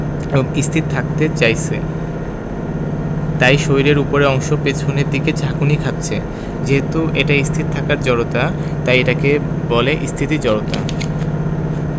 এবং স্থির থাকতে চাইছে তাই শরীরের ওপরের অংশ পেছনের দিকে ঝাঁকুনি খাচ্ছে যেহেতু এটা স্থির থাকার জড়তা তাই এটাকে বলে স্থিতি জড়তা